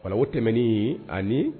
O la o tɛmɛnen ani